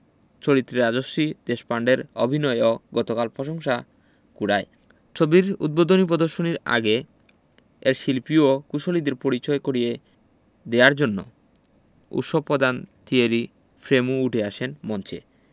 চরিত্রে রাজশ্রী দেশপান্ডের অভিনয়ও গতকাল প্রশংসা কুড়ায় ছবির উদ্বোধনী প্রদর্শনীর আগে এর শিল্পী ও কুশলীদের পরিচয় করিয়ে দেওয়ার জন্য উৎসব পধান থিয়েরি ফ্রেমো উঠে আসেন মঞ্চে